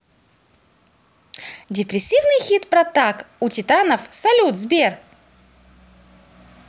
депресивный хит про так у титанов салют сбер